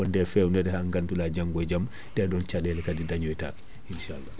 wonde e fewnede ha ganduɗa janggo e jaam ɗeɗon caɗele kadi dañoy take inchallah